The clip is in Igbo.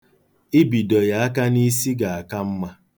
Ibido ya ka n'isi ga-aka mma.